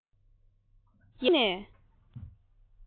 ཡལ ཕྱོགས ཀྱི སྐར ཁུང ནས